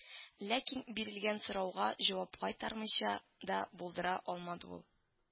Ләкин бирелгән сорауга җавап кайтармыйча да булдыра алмады ул